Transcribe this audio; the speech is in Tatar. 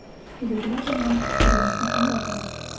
Күзәтелә торган күренешне аңлатыгыз.